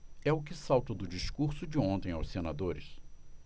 é o que salta do discurso de ontem aos senadores